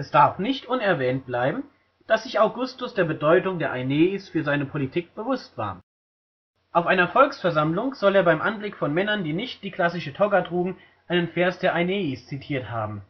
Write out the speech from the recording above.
darf nicht unerwähnt bleiben, dass sich Augustus der Bedeutung der Aeneis für seine Politik bewusst war. Auf einer Volksversammlung soll er beim Anblick von Männern, die nicht die klassische Toga trugen, einen Vers der Aeneis zitiert haben